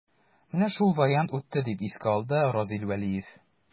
Менә шул вариант үтте, дип искә алды Разил Вәлиев.